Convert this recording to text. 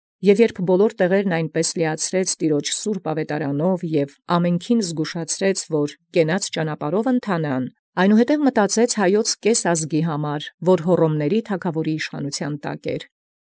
Եւ յորժամ այնպէս ընդ ամենայն տեղիս լի առնէր զսուրբ աւետարան Տեառն և ամենեցուն զգուշացուցեալ զկենաց ճանապարհն վարելոյ, խորհուրդ առնէր այնուհետև վասն կէս ազգին Հայոց, որ էր ընդ իշխանութեամբ թագաւորին Հոռոմոց։